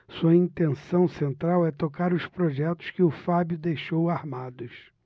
sua intenção central é tocar os projetos que o fábio deixou armados